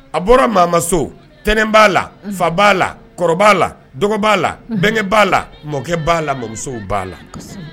A bɔra maama so tɛnɛn b'a la, fa b'a la, kɔrɔ b'a la, dɔgɔ b'a la, bɛnkɛ b'a la. Unhun. Mɔkɛ b'a la, mɔmusow b'a la.